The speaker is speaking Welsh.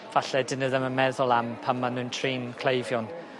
falle 'dyn nw ddim yn meddwl am pan ma' nw'n trin cleifion.